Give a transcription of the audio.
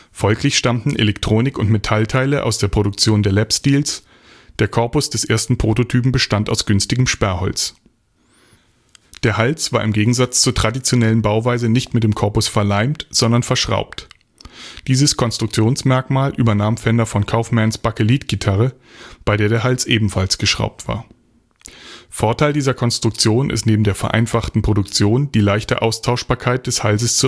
Folglich stammten Elektronik und Metallteile aus der Produktion der Lapsteels, der Korpus des ersten Prototypen bestand aus günstigem Sperrholz. Der Hals war im Gegensatz zur traditionellen Bauweise nicht mit dem Korpus verleimt, sondern verschraubt. Dieses Konstruktionsmerkmal übernahm Fender von Kaufmanns Bakelit-Gitarre, bei der der Hals ebenfalls geschraubt war. Vorteil dieser Konstruktion ist neben der vereinfachten Produktion die leichte Austauschbarkeit des Halses